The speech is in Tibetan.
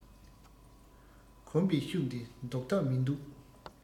གོམས པའི ཤུགས འདི བཟློག ཐབས མིན འདུག